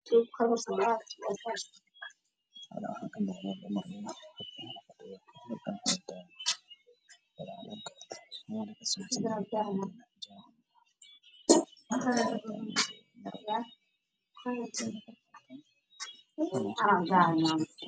Hal kan waxaa ka muuqda dumar iyo gaariyaal